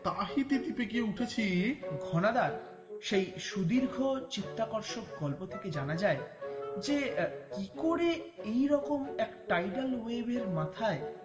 Tahiti দ্বীপে গিয়ে উঠেছি ঘনাদার সেই সুদীর্ঘ চিত্তাকর্ষক গল্প থেকে জানা যায় যে কি করে এইরকম একটা টাইডাল ওয়েভের মাথায়